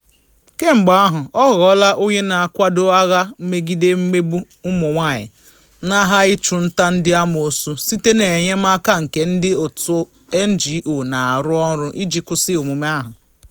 Kemgbe ahụ, ọ ghọọla onye na-akwado agha megide mmegbu ụmụ nwaanyị n'aha ịchụnta ndị amoosu site n'enyemaaka nke ndị òtù NGO na-arụ ọrụ iji kwụsị omume ahụ.